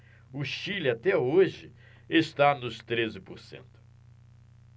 o chile até hoje está nos treze por cento